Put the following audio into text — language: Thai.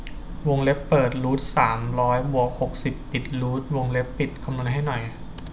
วงเล็บเปิดรูทสามร้อยบวกหกสิบปิดรูทวงเล็บปิดคำนวณให้หน่อย